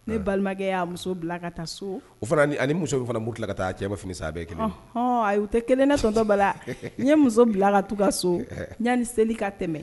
Ne balimakɛ y'a muso bila ka taa so o fana ani muso min fana murutila ka taa a cɛ man fini a bɛɛ ye kelen ye o hɔn ayi o tɛ kelen ye dɛ tonton Bala n ye n muso bila ka taa u ka so yani seli ka tɛmɛ.